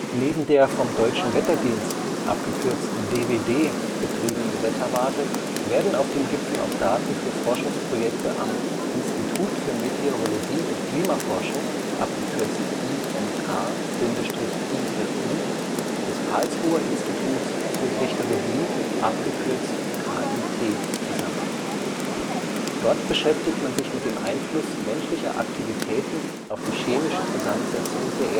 Neben der vom Deutschen Wetterdienst (DWD) betriebenen Wetterwarte werden auf dem Gipfel auch Daten für Forschungsprojekte am Institut für Meteorologie und Klimaforschung (IMK-IFU) des Karlsruher Instituts für Technologie (KIT) gesammelt. Dort beschäftigt man sich mit dem Einfluss menschlicher Aktivitäten auf die chemische Zusammensetzung der